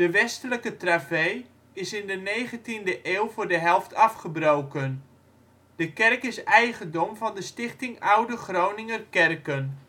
westelijke travee is in de negentiende eeuw voor de helft afgebroken. De kerk is eigendom van de Stichting Oude Groninger Kerken